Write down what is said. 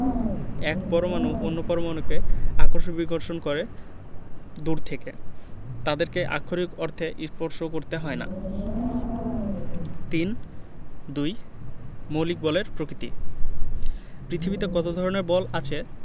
এক পরমাণু অন্য পরমাণুকে আকর্ষণ বিকর্ষণ করে দূর থেকে তাদেরকে আক্ষরিক অর্থে স্পর্শ করতে হয় না ৩ ২ মৌলিক বলের প্রকৃতিঃ পৃথিবীতে কত ধরনের বল আছে